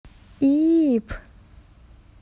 i p